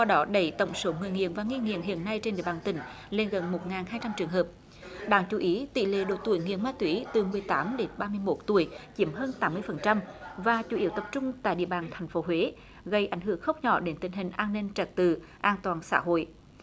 đó đẩy tổng số người nghiện và nghi nghiện hiện nay trên địa bàn tỉnh lên gần một ngàn hai trăm trường hợp đáng chú ý tỷ lệ độ tuổi nghiện ma túy từ mười tám đến ba mươi mốt tuổi chiếm hơn tám mươi phần trăm và chủ yếu tập trung tại địa bàn thành phố huế gây ảnh hưởng không nhỏ đến tình hình an ninh trật tự an toàn xã hội